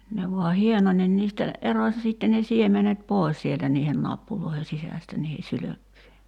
ne vain hienoni niin niistä erosi sitten ne siemenet pois sieltä niiden nappuloiden sisästä niiden sylkkyjen